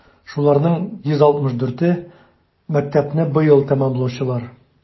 Шуларның 164е - мәктәпне быел тәмамлаучылар.